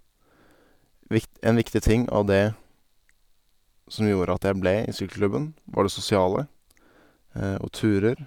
vikt En viktig ting, og det som gjorde at jeg ble i sykkelklubben, var det sosiale og turer.